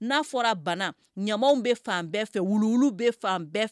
N'a fɔra bana ɲamaw bɛ fan bɛɛ fɛ wulu bɛ fan bɛɛ fɛ